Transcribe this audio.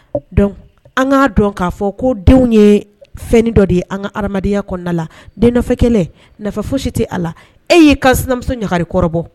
Ana fɔ ko denw ye fɛn dɔ de ye an ka adamada den kɛlen fo si tɛ a la e'i ka sinamuso ɲagali kɔrɔbɔ